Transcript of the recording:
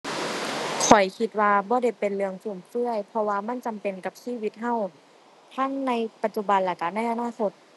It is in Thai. ข้อยคิดว่าบ่ได้เป็นเรื่องฟุ่มเฟือย เพราะว่ามันจำเป็นกับชีวิตเรา ทั้งในปัจจุบันแล้วเราในอนาคต